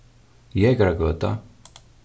jekaragøta